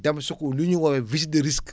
dem su ku lu ñuy woowee visite de risque